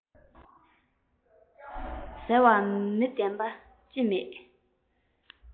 ཟེར བ མི བདེན པ ཅི མེད